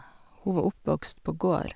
Hun var oppvokst på gård.